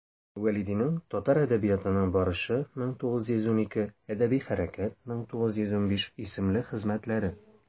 Вәлидинең «Татар әдәбиятының барышы» (1912), «Әдәби хәрәкәт» (1915) исемле хезмәтләре.